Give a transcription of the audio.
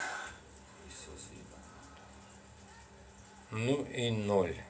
ну и ноль